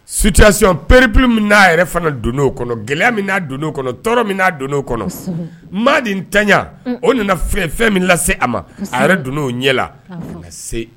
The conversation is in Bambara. Suturasiɔn peerep min n'a yɛrɛ fana don o kɔnɔ gɛlɛya min' don kɔnɔ tɔɔrɔ min n'a don kɔnɔ maa nitanɲa o nana fɛn fɛn min lase a ma a yɛrɛ don o ɲɛ la ka se